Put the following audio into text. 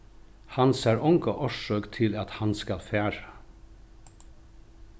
hann sær onga orsøk til at hann skal fara